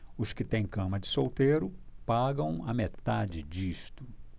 os que têm cama de solteiro pagam a metade disso